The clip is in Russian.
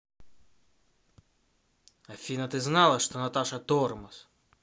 афина ты знала что наташа тормоз